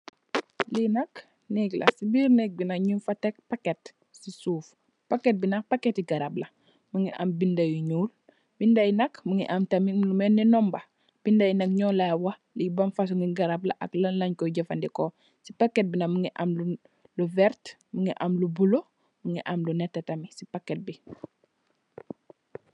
Lii nak negg la, cii birr negg bii nak njung fa tek packet cii suff, packet bii nak packeti garab la, mungy am binda yu njull, binda yii nak mungy am tamit lu melni number, binda yii nak njur la wakh lii ban fasoni garab la ak lan langh kor jeufandehkor, cii packet bii nak mungy am lu lu vert, mungy am lu bleu, mungy am lu nehteh tamit cii packet bii.